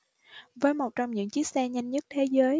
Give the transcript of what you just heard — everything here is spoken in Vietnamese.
với một trong những chiếc xe nhanh nhất thế giới